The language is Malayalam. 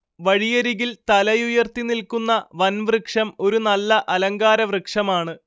വഴിയരികിൽ തലയുയർത്തി നിൽക്കുന്ന വൻവൃക്ഷം ഒരു നല്ല അലങ്കാരവൃക്ഷമാണ്